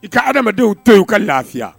I ka adamadamadenw to y'u ka lafiya